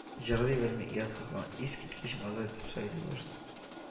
Җырлый белми оятка калган искиткеч матур итеп сайрый башлый